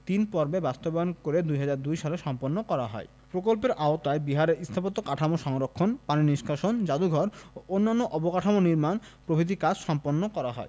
তিনপর্বে বাস্তবায়ন করে ২০০২ সলে সম্পন্ন করা হয় প্রকল্পের আওতায় বিহারের স্থাপত্য কাঠামো সংরক্ষণ পানি নিষ্কাশন জাদুঘর ও অন্যান্য অবকাঠামো নির্মাণ প্রভৃতি কাজ সম্পন্ন করা হয়